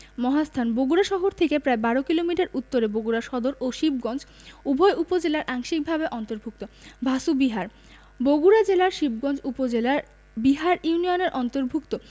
মহাস্থান বগুড়া শহর থেকে প্রায় ১২ কিলোমিটার উত্তরে বগুড়া সদর ও শিবগঞ্জ উভয় উপজেলায় আংশিকভাবে অন্তর্ভুক্ত ভাসু বিহার বগুড়া জেলার শিবগঞ্জ উপজেলার বিহার ইউনিয়নের অন্তর্ভুক্ত